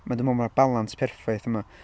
Ma'... dwi'n meddwl mae'r balans perffaith yma.